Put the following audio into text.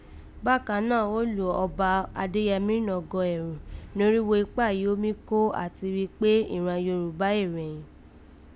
Bákan náà gho lù ọba Adéyẹmi nọ́gọ̀ ẹrun norígho ikpá yí ọ mi kò àti rí kpé ìran Yorùbá éè rẹ̀yìn